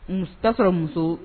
Muta sɔrɔ muso